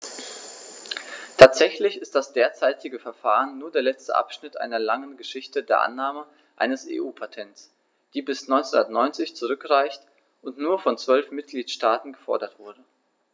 Tatsächlich ist das derzeitige Verfahren nur der letzte Abschnitt einer langen Geschichte der Annahme eines EU-Patents, die bis 1990 zurückreicht und nur von zwölf Mitgliedstaaten gefordert wurde.